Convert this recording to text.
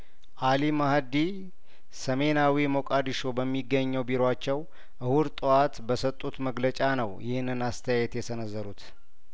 አሊ ማህዲ ሰሜናዊ ሞቃዲሾ በሚገኘው ቢሮዋቸው እሁድ ጧት በሰጡት መግለጫ ነው ይህንን አስተያየት የሰነዘሩት